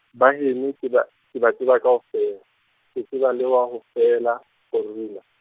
Baheno ke ba, ke ba tseba kaofela, ke tseba le wa ho fela, kgorula.